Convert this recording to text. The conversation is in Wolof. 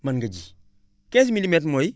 mën nga ji 15 milimètre moo